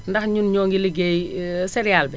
ndax ñun ñoo ngi ligéey céréale bi